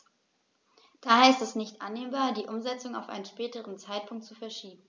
Daher ist es nicht annehmbar, die Umsetzung auf einen späteren Zeitpunkt zu verschieben.